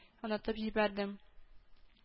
Исемен онытып җибәрдем…